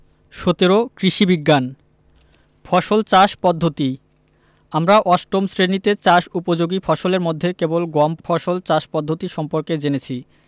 ১৭ কৃষি বিজ্ঞান ফসল চাষ পদ্ধতি আমরা অষ্টম শ্রেণিতে চাষ উপযোগী ফসলের মধ্যে কেবল গম ফসল চাষ পদ্ধতি সম্পর্কে জেনেছি